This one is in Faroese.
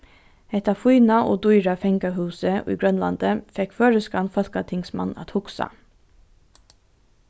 hetta fína og dýra fangahúsið í grønlandi fekk føroyskan fólkatingsmann at hugsa